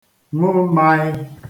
ṅụ maị